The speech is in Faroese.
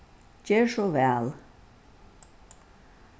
ger so væl